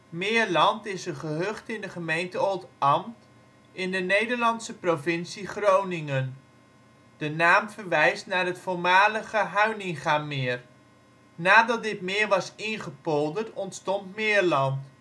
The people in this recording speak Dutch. Meerland is een gehucht in de gemeente Oldambt, in de Nederlandse provincie Groningen. De naam verwijst naar het voormalige Huiningameer. Nadat dit meer was ingepolderd ontstond Meerland